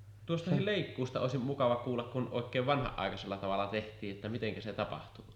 tuostakin leikkuusta olisi mukava kuulla kun oikein vanhanaikaisella tavalla tehtiin miten se tapahtui